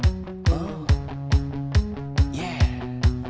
ấu de